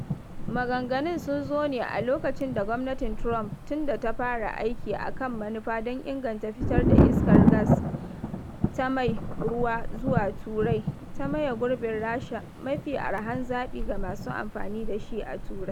Maganganun sun zo ne a lokacin da gwamnatin Trump tun da ta fara aiki a kan manufa don inganta fitar da iskar gas ta mai ruwa zuwa Turai, ta maye gurbin Rasha, mafi arhan zaɓi ga masu amfani da shi a Turai.